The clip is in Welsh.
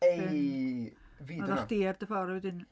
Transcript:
Ei! Fi 'di hwnna... Oeddech chdi ar dy ffordd wedyn...